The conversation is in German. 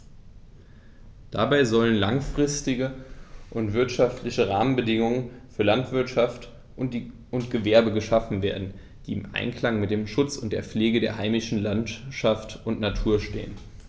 Dabei sollen langfristige und wirtschaftliche Rahmenbedingungen für Landwirtschaft und Gewerbe geschaffen werden, die im Einklang mit dem Schutz und der Pflege der heimischen Landschaft und Natur stehen.